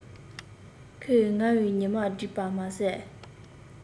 ཁོས ངའི ཉི མ སྒྲིབ པ མ ཟད